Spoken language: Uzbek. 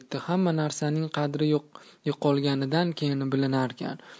hamma narsaning qadri yo'qolganidan keyin bilinarkan